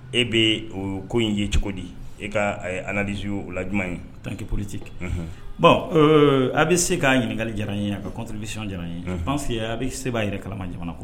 E bɛ ko in ye cogo di e ka alazo o la j in tan keolite bɔn a bɛ se k'a ɲininkakali diyara n ye a kabisi diyara n ye fan a bɛ se b'a yɛrɛ kalama jamana ko